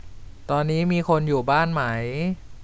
ตอนนี้มีคนอยู่บ้านไหม